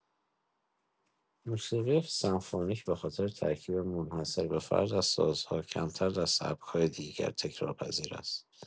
موسیقی سمفونیک به‌خاطر ترکیب منحصربه‌فرد از سازها، کمتر در سبک‌های دیگر تکرارپذیر است.